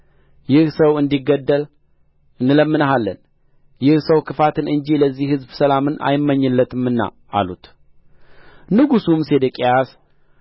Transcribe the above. ይህ ሰው እንዲገደል እንለምንሃለን ይህ ሰው ክፋትን እንጂ ለዚህ ሕዝብ ሰላምን አይመኝለትምና አሉት ንጉሡም ሴዴቅያስ